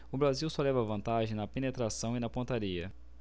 o brasil só leva vantagem na penetração e na pontaria